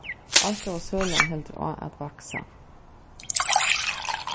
altjóða sølan heldur á at vaksa